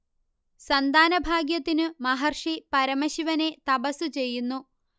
സന്താനഭാഗ്യത്തിനു മഹർഷി പരമശിവനെ തപസ്സു ചെയ്യുന്നു